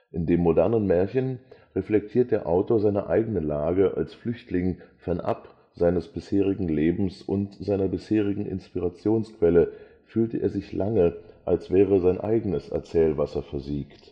In dem modernen Märchen reflektierte der Autor seine eigene Lage, als Flüchtling, fernab seines bisherigen Lebens und seiner bisherigen Inspirationsquelle, fühlte er sich lange, als wäre sein eigenes Erzählwasser versiegt